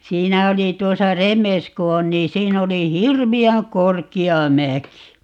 siinä oli tuossa Remes kun on niin siinä oli hirveän korkea mäki